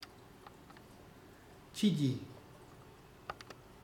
ཁྱེད ཀྱིས